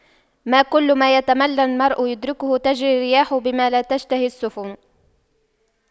ما كل ما يتمنى المرء يدركه تجرى الرياح بما لا تشتهي السفن